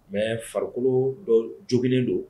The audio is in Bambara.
Mais farikolo dɔ jogilen don